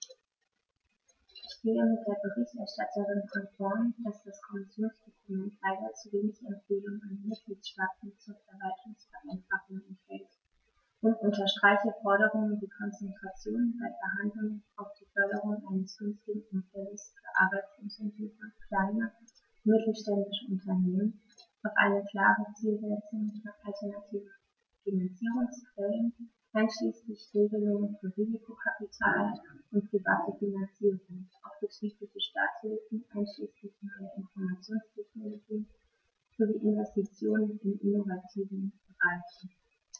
Ich gehe mit der Berichterstatterin konform, dass das Kommissionsdokument leider zu wenig Empfehlungen an die Mitgliedstaaten zur Verwaltungsvereinfachung enthält, und unterstreiche Forderungen wie Konzentration bei Verhandlungen auf die Förderung eines günstigen Umfeldes für arbeitsintensive kleine und mittelständische Unternehmen, auf eine klare Zielsetzung für alternative Finanzierungsquellen einschließlich Regelungen für Risikokapital und private Finanzierung, auf betriebliche Starthilfen einschließlich neuer Informationstechnologien sowie Investitionen in innovativen Bereichen.